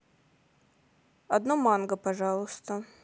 одно манго пожалуйста